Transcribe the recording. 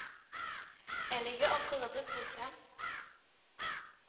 Әлеге акылыбыз булса,